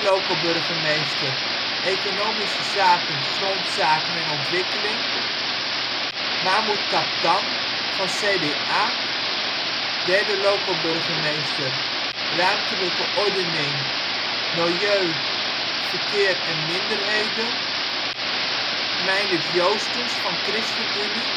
loco-burgemeester, Economische zaken, Grondzaken en Ontwikkeling Mahmut Kaptan (CDA): 3e loco-burgemeester, Ruimtelijke Ordening, Milieu, Verkeer en Minderheden Meindert Joostens (ChristenUnie):